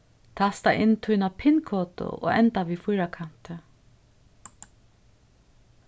tasta inn tína pin-kodu og enda við fýrakanti